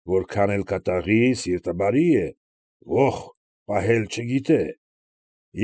Որքան էլ կատաղի, սիրտը բարի է, ոխ պահել չգիտե։